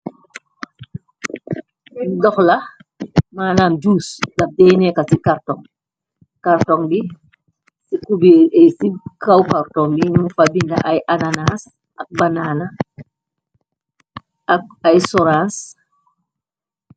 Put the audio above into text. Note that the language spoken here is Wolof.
Doxla manaam jous dab deyneeka ci carton bi ci kubir ay ci kaw karton bi ñyung fa bind ay ananas ak banaana ay soranse.